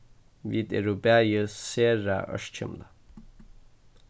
vit eru bæði sera ørkymlað